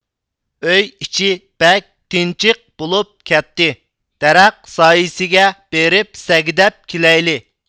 ئۆي ئىچى بەك تىنچىق بولۇپ كەتتى دەرەخ سايىسىگە بېرىپ سەگىدەپ كېلەيلى